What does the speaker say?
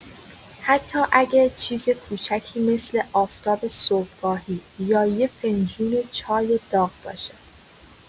حتی اگه چیز کوچیکی مثل آفتاب صبحگاهی یا یه فنجون چای داغ باشه.